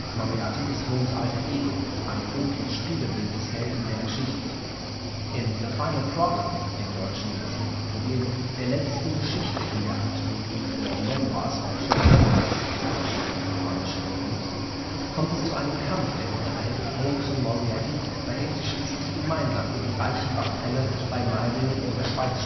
Moriarty ist Holmes’ Alter Ego, ein „ dunkles Spiegelbild “des Helden der Geschichten. In The Final Problem (dt.: Das letzte Problem), der letzten Geschichte in der Anthologie The Memoirs of Sherlock Holmes (dt. Die Memoiren des Sherlock Holmes), kommt es zu einem Kampf der Kontrahenten Holmes und Moriarty, bei dem sie schließlich gemeinsam in die Reichenbachfälle bei Meiringen in der Schweiz